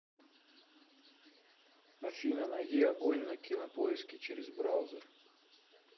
афина найди огонь на кинопоиске через браузер